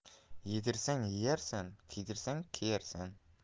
yedirsang yeyarsan kiydirsang kiyarsan